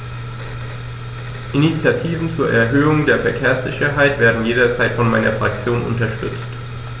Initiativen zur Erhöhung der Verkehrssicherheit werden jederzeit von meiner Fraktion unterstützt.